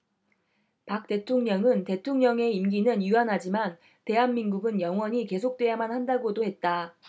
박 대통령은 대통령의 임기는 유한하지만 대한민국은 영원히 계속돼야만 한다고도 했다